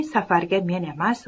safarga men emas